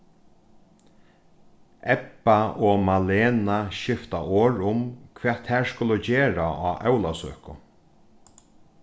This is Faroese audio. ebba og malena skifta orð um hvat tær skulu gera á ólavsøku